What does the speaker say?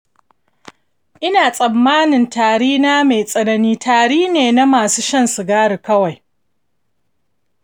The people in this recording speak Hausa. ina tsammanin tari na mai tsanani tari ne na masu shan sigari kawai.